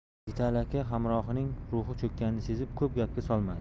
yigitali aka hamrohining ruhi cho'kkanini sezib ko'p gapga solmadi